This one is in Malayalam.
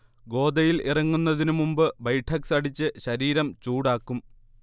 ഗോദയിൽ ഇറങ്ങുന്നതിന് മുമ്പ് ബൈഠക്സ് അടിച്ച് ശരീരം ചൂടാക്കും